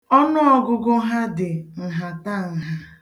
Ọnụọgụgụ ha dị nhatanha.